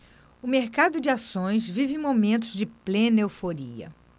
o mercado de ações vive momentos de plena euforia